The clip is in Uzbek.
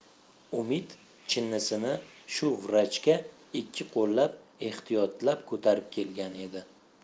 umid chinnisini shu vrachga ikki qo'llab ehtiyotlab ko'tarib kelgan edi